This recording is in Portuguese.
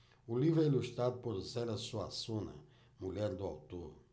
o livro é ilustrado por zélia suassuna mulher do autor